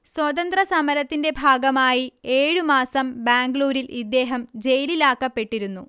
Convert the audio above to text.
സ്വാതന്ത്ര സമരത്തിന്റെ ഭാഗമായി ഏഴുമാസം ബാംഗ്ലൂരിൽ ഇദ്ദേഹം ജയിലിലാക്കപ്പെട്ടിരുന്നു